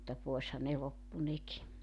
mutta poishan ne loppui nekin